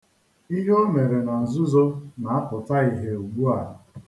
Ihe o mere na nzuzo na-apụta ihie ugbua.